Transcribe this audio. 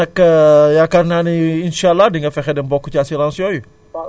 kon nag yaakaar naa ni insaa àllaa di nga fexe dem bokk ci assurance yooyu